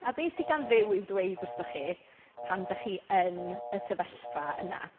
A be sy gan Dduw i ddweud wrthoch chi pan dach chi yn y sefyllfa yna?